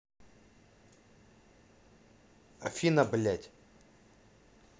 афина блядь